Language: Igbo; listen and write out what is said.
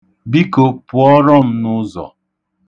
Biko, pụọrọ m n'ụzọ!